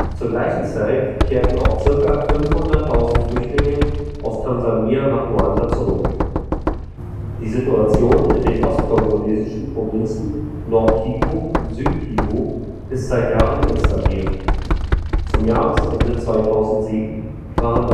Zur gleichen Zeit kehrten auch zirka 500.000 Flüchtlinge aus Tansania nach Ruanda zurück. Die Situation in den ostkongolesischen Provinzen Nord-Kivu und Süd-Kivu ist seit Jahren instabil. Zum Jahresende 2007 waren